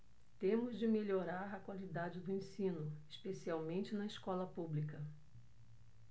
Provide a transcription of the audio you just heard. temos de melhorar a qualidade do ensino especialmente na escola pública